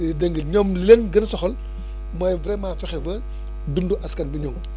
dégg nga ñoom li leen gën soxal mooy vraiment fexe ba dundu askan bi ñoŋ